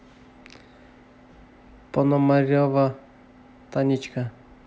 пономарева танечка